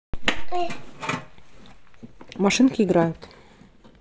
машинки играют